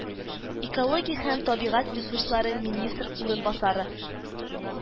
Экология һәм табигать ресурслары министры урынбасары